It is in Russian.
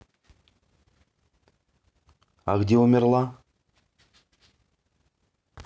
а где умерла